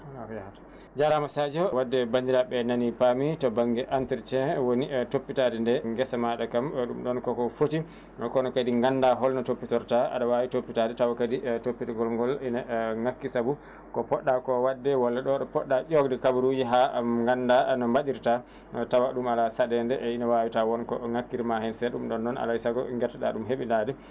ala ko yahata jarama Sadio wadde bandiraɓe nani paami to banŋnge entretien woni toppitade nde geesa maɗa kam ɗum ɗon koko footi kono kadi gannda holno toppitorto ɗa aɗa wawi toppitade taw kadi toppitogol ngol ina a ŋakki saabu ko poɗɗa ko wadde walla ɗo ɗo poɗɗa ƴewde kabaruji ha mo gannduɗa no mbaɗirta tawa ɗum ala saɗende ne wawi taw wonko ŋakkirma heen seeɗa ɗum ɗon noon alaysago geetoɗa ɗum heeɓindade